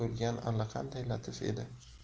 bo'lgan allaqanday latif edi